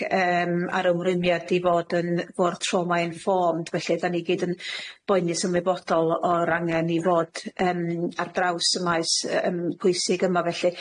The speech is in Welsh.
yym a'r ymrwymiad i fod yn fwrdd trauma-informed felly. 'Dan ni gyd yn boenus ymwybodol o'r angen i fod yym ar draws y maes yy yym pwysig yma felly.